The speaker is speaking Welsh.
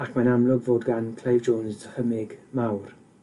ac mae'n amlwg fod gan Clive Jones dychymyg mawr.